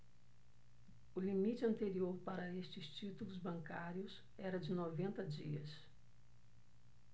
o limite anterior para estes títulos bancários era de noventa dias